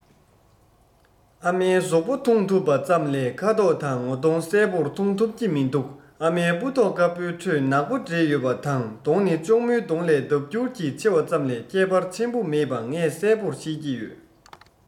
ཨ མའི གཟུགས པོ མཐོང ཐུབ པ ཙམ ལས ཁ དོག དང ངོ གདོང གསལ པོར མཐོང ཐུབ ཀྱི མི འདུག ཨ མའི སྤུ མདོག དཀར པོའི ཁྲོད ནག པོ འདྲེས ཡོད པ དང གདོང ནི གཅུང མོའི གདོང ལས ལྡབ འགྱུར གྱིས ཆེ བ ཙམ ལས ཁྱད པར ཆེན པོ མེད པ ངས གསལ པོར ཤེས ཀྱི ཡོད